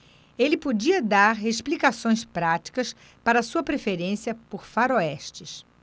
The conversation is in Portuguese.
ele podia dar explicações práticas para sua preferência por faroestes